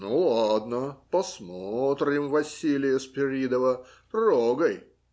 - Ну, ладно, посмотрим Василия Спиридова. Трогай.